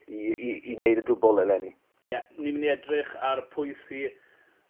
i i i neud y dwbwl eleni. Ie ni myn' i edrych ar pwy sy